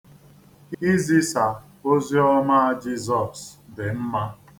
Izisa oziọma Jisọz dị mma.